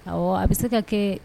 Awɔ, a bɛ se ka kɛ